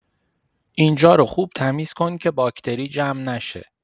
اینجا رو خوب تمیز کن که باکتری جمع نشه.